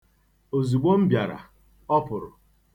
Ozugbo m bịara, ọ pụrụ.